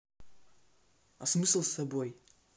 а смысл с тобой